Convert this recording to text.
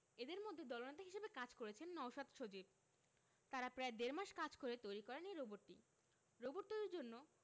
এদের মধ্যে দলনেতা হিসেবে কাজ করেছেন নওশাদ সজীব তারা প্রায় দেড় মাস কাজ করে তৈরি করেন এই রোবটটি রোবট তৈরির জন্য